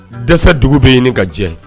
Dɛsɛsa dugu bɛ ɲini ka jɛ